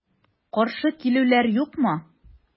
Каршы килүләр юкмы?